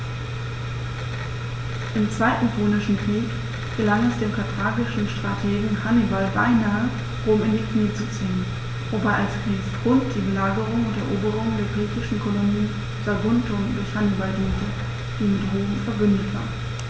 Im Zweiten Punischen Krieg gelang es dem karthagischen Strategen Hannibal beinahe, Rom in die Knie zu zwingen, wobei als Kriegsgrund die Belagerung und Eroberung der griechischen Kolonie Saguntum durch Hannibal diente, die mit Rom „verbündet“ war.